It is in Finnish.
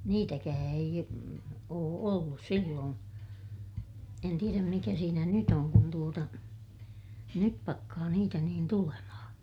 niitäkään ei ole ollut silloin en tiedä mikä siinä nyt on kun tuota nyt pakkaa niitä niin tulemaan